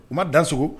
U ma dan sago